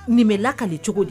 Ninla kaale cogo di